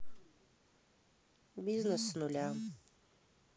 бизнес с нуля